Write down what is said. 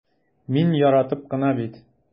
Мин яратып кына бит...